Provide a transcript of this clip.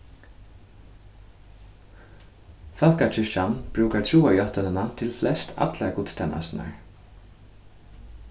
fólkakirkjan brúkar trúarjáttanina til flest allar gudstænasturnar